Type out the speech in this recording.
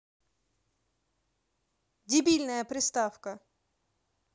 дебильная приставка